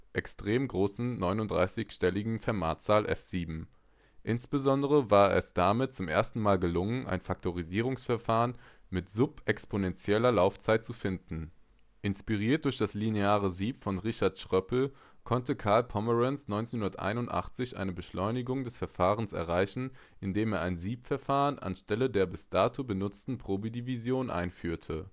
extrem großen 39-stelligen Fermat-Zahl F7. Insbesondere war es damit zum ersten Mal gelungen, ein Faktorisierungsverfahren mit subexponentieller Laufzeit zu finden. Inspiriert durch das lineare Sieb von Richard Schroeppel konnte Carl Pomerance 1981 eine Beschleunigung des Verfahrens erreichen, indem er ein Siebverfahren an Stelle der bis dato benutzten Probedivision einführte